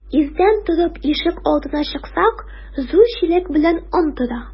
Иртән торып ишек алдына чыксак, зур чиләк белән он тора.